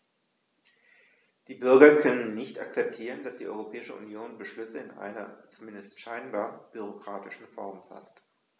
Die Bürger können nicht akzeptieren, dass die Europäische Union Beschlüsse in einer, zumindest scheinbar, bürokratischen Form faßt.